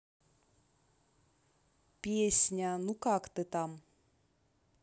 песня ну как ты там